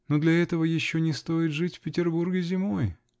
Но для этого еще не стоит жить в Петербурге зимой.